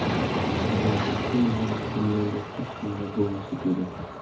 bundan katta unvon dunyoda hech kimda bo'lmasa kerak